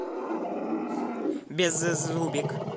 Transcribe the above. беззубик